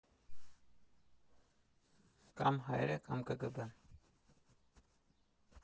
Կամ հայերը, կամ ԿԳԲ֊ն։